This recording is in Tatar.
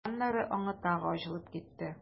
Аннары аңы тагы ачылып китте.